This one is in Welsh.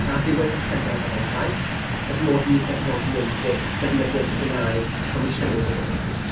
A ddiwedd y llynedd er enghraifft, oedd modd i ni gefnogi ymgyrch "defnyddia dy Gymraeg" Comisiynydd y Gymraeg.